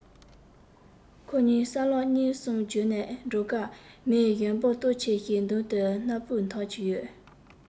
ཁོ གཉིས སྲང ལམ གཉིས གསུམ བརྒྱུད ནས འགྲོ སྐབས མི གཞོན པ སྟོབས ཆེན ཞིག མདུན དུ སྣམ སྤུ འཐགས ཀྱི ཡོད